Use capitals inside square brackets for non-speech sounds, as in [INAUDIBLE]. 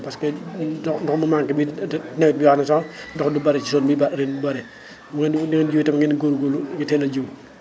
parce que [HESITATION] ndox mu manqué bii te nawet bi nga xam sax ndox du bëri si zone bii ren nu mu bëree [BREATH] bu ngeen di ji tamit ngeen góorgóorlu ñu teel a jiwu